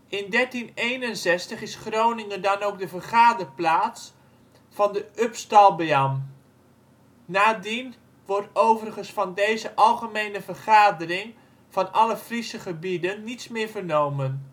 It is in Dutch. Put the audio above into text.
1361 is Groningen dan ook de vergaderplaats van de Upstalbeam. Nadien wordt overigens van deze algemene vergadering van alle Friese gebieden niets meer vernomen